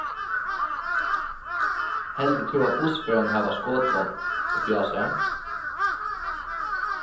heldur tú at bussførararnir hava skotvápn uppi á sær